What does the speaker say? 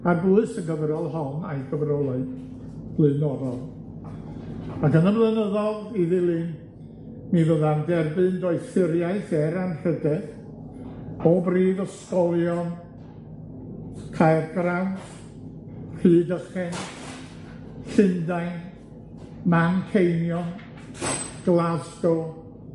Ar bwys y gyfrol hon a'i gyfrolau blaenorol, ac yn y flynyddodd i ddilyn, mi fydda'n derbyn doethuriaeth er anrhydedd o brifysgolion Caergrawnt, Rhydychen, Llundain, Manceinion, Glasgow